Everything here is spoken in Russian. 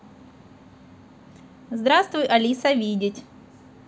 здравствуй алиса видеть